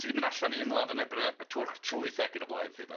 Sy 'di mynd allan i ymladd yn erbyn y y twrch trwyth ac yn y blaen 'lly de.